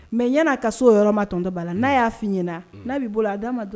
Mɛ ɲɛna ka so o yɔrɔ ma tɔn bala la n'a y'a fɔ i ɲɛna'a bɛ bolo a ma